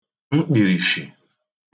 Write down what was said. mkpị̀rìshì